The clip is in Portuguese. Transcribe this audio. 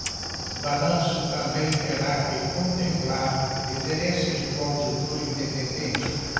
o balanço também terá que contemplar referências do auditor independente